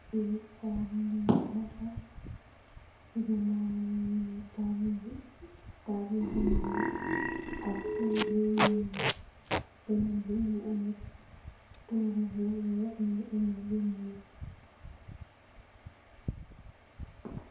Lii taabul lii wehrre la, cii ganawam mungy ameh taabul bii, taabul bu njull ak tohgu yu njull, benen bii mungy ameh tohgu bu wekh, mungy ameh lu njull.